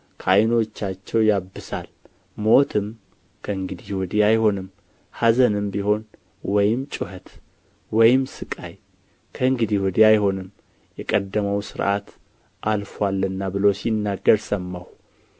ከዓይኖቻቸው ያብሳል ሞትም ከእንግዲህ ወዲህ አይሆንም ኀዘንም ቢሆን ወይም ጩኸት ወይም ሥቃይ ከእንግዲህ ወዲህ አይሆንም የቀደመው ሥርዓት አልፎአልና ብሎ ሲናገር ሰማሁ